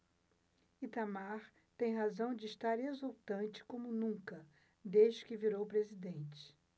itamar tem razão de estar exultante como nunca desde que virou presidente